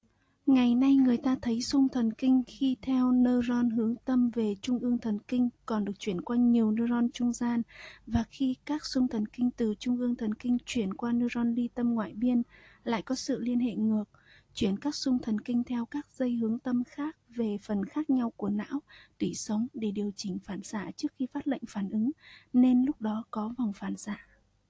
ngày nay người ta thấy xung thần kinh khi theo nơ ron hướng tâm về trung ương thần kinh còn được chuyển qua nhiều nơ ron trung gian và khi các xung thần kinh từ trung ương thần kinh chuyển qua nơ ron li tâm ngoại biên lại có sự liên hệ ngược chuyển các xung thần kinh theo các dây hướng tâm khác về các phần khác nhau của não tủy sống để điều chỉnh phản xạ trước khi phát lệnh phản ứng nên lúc đó có vòng phản xạ